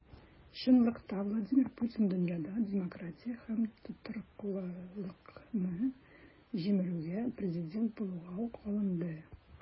Чынлыкта Владимир Путин дөньяда демократия һәм тотрыклылыкны җимерүгә президент булуга ук алынды.